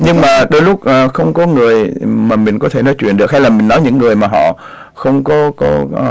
nhưng mà đôi lúc không có người mà mình có thể nói chuyện được hay là mình nói những người mà họ không có có